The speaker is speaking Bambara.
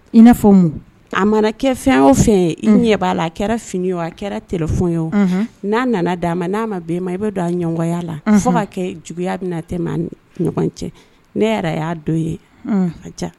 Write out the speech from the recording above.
I'a fɔ a mana kɛ fɛn o fɛ ye i ɲɛ b'a la a kɛra fini o a kɛra tf ye o n'a nana d'a ma n'a ma bɛn ma i bɛ don a ɲɔnkɔya la fo ka kɛ juguya bɛna tɛ ɲɔgɔn cɛ ne yɛrɛ y'a don ye